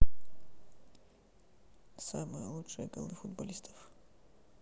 самые лучшие голы футболистов